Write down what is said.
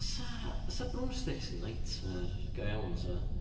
Sa- sa broomsticks yn nightmare go iawn, 'sa?